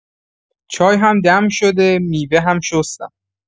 چای هم دم شده، میوه هم شستم.